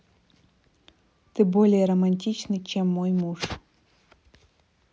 ты более романтичный чем мой муж